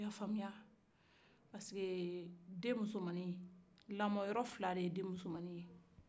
i y'a famuya lamɔ yɔrɔ fila le ye den wusomani la